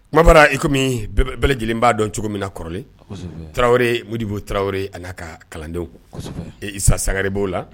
Kumaba iko bɛɛ lajɛlen b'a dɔn cogo min na kɔrɔlen tarawelere modibu tarawelere a'a ka kalandenwsa sagare b'o la